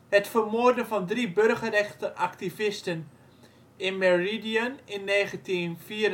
het vermoordden van drie burgerrechtenactivisten in Meridian in 1964